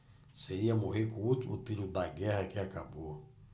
seria morrer com o último tiro da guerra que acabou